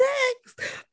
Text!